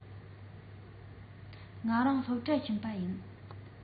ང སློབ གྲྭར ཕྱིན པ ཡིན